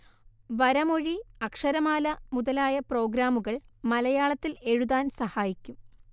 വരമൊഴി അക്ഷരമാല മുതലായ പ്രോഗ്രാമുകൾ മലയാളത്തിൽ എഴുതാൻ സഹായിക്കും